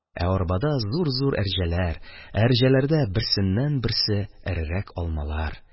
Ә арбада – зур-зур әрҗәләр, әрҗәләрдә – берсеннән-берсе эрерәк алмалар.